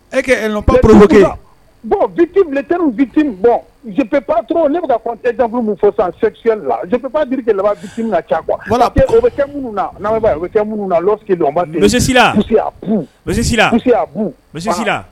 Ep bɔn bit biti bɔppto ne bɛ kɔn tɛ damu min fɔ sanc lap na bɛ